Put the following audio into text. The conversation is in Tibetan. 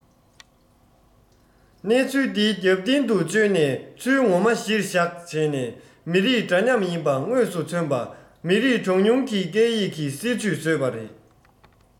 གནས ཚུལ འདི རྒྱབ རྟེན དུ བཅོལ གནས ཚུལ ངོ མ གཞིར བཞག བྱས ནས མི རིགས འདྲ མཉམ ཡིན པ དངོས སུ མཚོན པ མི རིགས གྲངས ཉུང གི སྐད ཡིག གི སྲིད ཇུས བཟོས པ རེད